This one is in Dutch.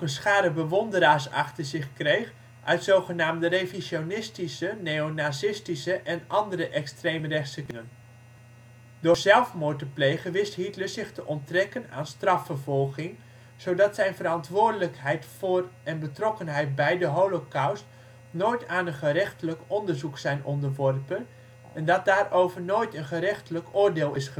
schare bewonderaars achter zich kreeg uit zogenaamde ' revisionistische ' neonazistische en andere extreem rechtse kringen. Door zelfmoord te plegen wist Hitler zich te onttrekken aan strafvervolging, zodat zijn verantwoordelijkheid voor en betrokkenheid bij de Holocaust nooit aan een gerechtelijk onderzoek zijn onderworpen en dat daarover nooit een gerechtelijk oordeel is geveld